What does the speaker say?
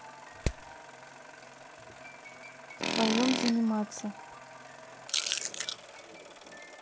в твоем заниматься